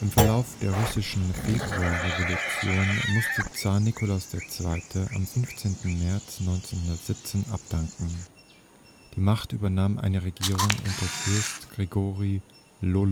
Verlauf der russischen Februarrevolution musste Zar Nikolaus II. am 15. März 1917 abdanken. Die Macht übernahm eine Regierung unter Fürst Georgi Lwow